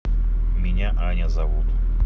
меня аня зовут